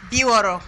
Bi wɔɔrɔ